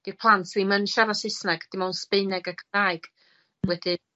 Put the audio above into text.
di'r plant ddim yn siarad Saesneg dim ond Sbaeneg a Cymraeg, wedyn